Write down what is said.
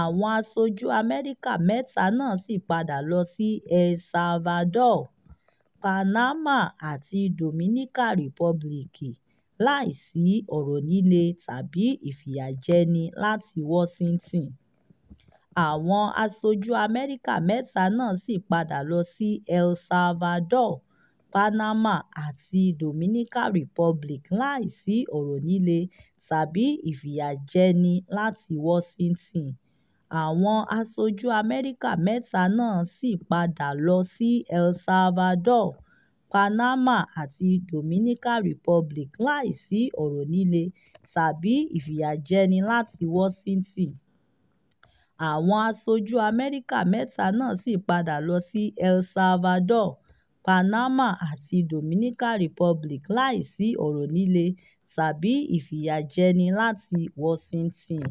àwọn òṣìṣẹ́ Amẹ́ríkà mẹ́ta náà sọ, títí kan àwọn aṣojú ìjọba méjì, tí wọ́n gbà láti sọ̀rọ̀ nípa ìjíròrò àárín wọn lábẹ́ ipò àìlórúkọ.